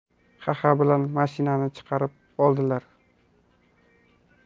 ha ha bilan mashinani chiqarib oldilar